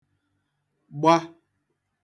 gba